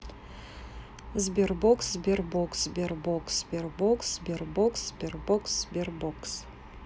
sberbox sberbox sberbox sberbox sberbox sberbox sberbox